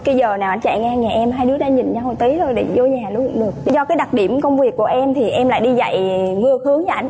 cái giờ nào ảnh chạy qua nhà em hai đứa ra nhìn nhau tí thôi để dô nhà luôn cũng được do đặc điểm công việc của em thì em lại đi dạy ngược hướng với ảnh